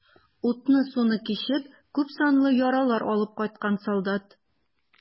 Утны-суны кичеп, күпсанлы яралар алып кайткан солдат.